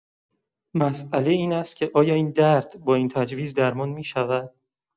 مساله این است که آیا این درد با این تجویز درمان می‌شود؟